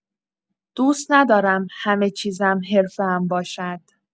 دوست ندارم همه چیزم حرفه‌ام باشد.